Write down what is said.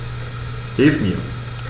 Hilf mir!